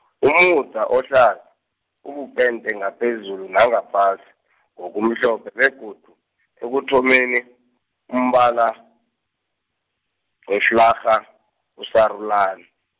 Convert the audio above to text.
umuda ohla-, ubupente ngaphezulu nangaphasi, ngokumhlophe, begodu ekuthomeni, umbala, weflarha, usarulani.